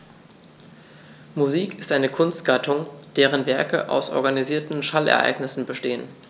Musik ist eine Kunstgattung, deren Werke aus organisierten Schallereignissen bestehen.